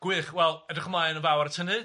Gwych, wel edrych ymlaen yn fawr at hynny.